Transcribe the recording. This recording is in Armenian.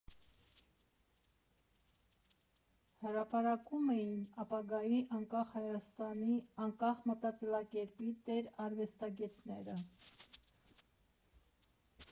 Հրապարակում էին ապագայի անկախ Հայաստանի անկախ մտածելակերպի տեր արվեստագետները։